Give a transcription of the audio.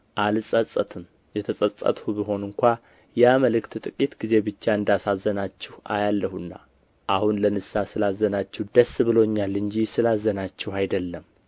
አልጸጸትም የተጸጸትሁ ብሆን እንኳ ያ መልእክት ጥቂት ጊዜ ብቻ እንዳሳዘናችሁ አያለሁና አሁን ለንስሐ ስላዘናችሁ ደስ ብሎኛል እንጂ ስላዘናችሁ አይደለም